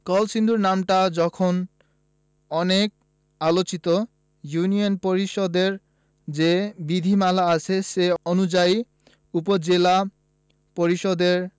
কলসিন্দুর নামটা এখন অনেক আলোচিত ইউনিয়ন পরিষদের যে বিধিমালা আছে সে অনুযায়ী উপজেলা পরিষদের